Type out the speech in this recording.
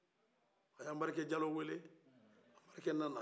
a ye anbarike jalo welen anbarike nana